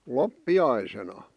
loppiaisena